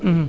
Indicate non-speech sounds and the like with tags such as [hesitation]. [hesitation] [hesitation]